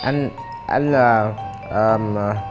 anh anh là ờ